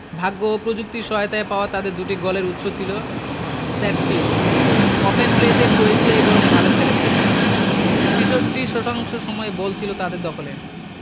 ভাগ্য ও প্রযুক্তির সহায়তায় পাওয়া তাদের দুটি গোলের উৎস ছিল সেটপিস ওপেন প্লেতে ক্রোয়েশিয়াই বরং ভালো খেলেছে ৬৬ শশাংশ সময় বল ছিল তাদের দখলে